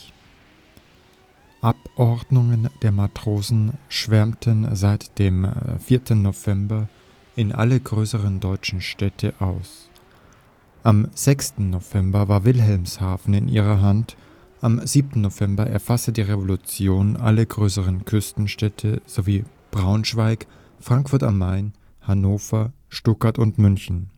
Abordnungen der Matrosen schwärmten seit dem 4. November in alle größeren deutschen Städte aus. Am 6. November war Wilhelmshaven in ihrer Hand; am 7. November erfasste die Revolution alle größeren Küstenstädte sowie Braunschweig, Frankfurt am Main, Hannover, Stuttgart und München